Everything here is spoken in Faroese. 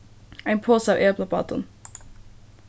ein posa av eplabátum